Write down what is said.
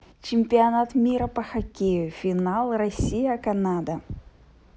чемпионат мира по хоккею финал россия канада